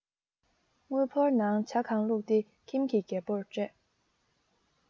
དངུལ ཕོར ནང ཇ གང བླུགས ཏེ ཁྱིམ ཀྱི རྒད པོར སྤྲད